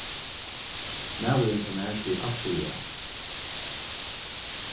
maðurin hjá mær sigur altíð ja